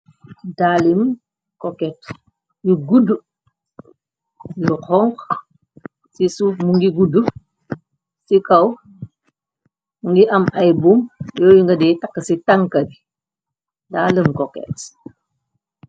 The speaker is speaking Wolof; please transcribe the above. Daalim koket yu guddu yu xonku ci suuf mu ngi guddu ci kaw nyungi am ay buum yooy nga de tak ci tanka bi daalim coket.